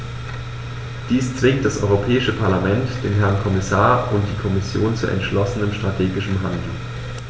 Dies zwingt das Europäische Parlament, den Herrn Kommissar und die Kommission zu entschlossenem strategischen Handeln.